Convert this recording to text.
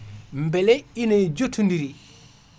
beele ina jotodiri